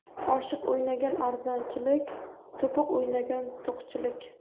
oshiq o'ynagan arzonchilik to'piq o'ynagan to'qchilik